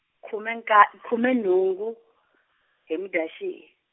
khume nka- khume nhungu, hi Mudyaxihi.